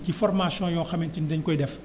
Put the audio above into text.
ci formation yoo xamante ni dañu koy def